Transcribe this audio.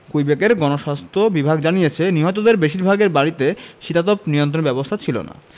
কুইবেকের গণস্বাস্থ্য বিভাগ জানিয়েছে নিহতদের বেশিরভাগের বাড়িতে শীতাতপ নিয়ন্ত্রণের ব্যবস্থা ছিল না